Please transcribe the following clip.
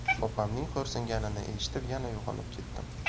opamning xo'rsinganini eshitib yana uyg'onib ketdim